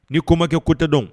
Ni koma kɛ ko tɛ dɔn.